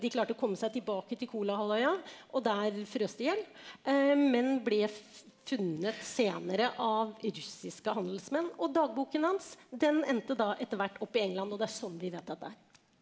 de klarte å komme seg tilbake til Kolahalvøya og der frøs de i hjel men ble funnet senere av russiske handelsmenn og dagboken hans den endte da etter hvert opp i England og det er sånn vi vet dette.